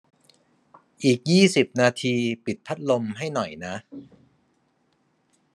อีกยี่สิบนาทีปิดพัดลมให้หน่อยนะ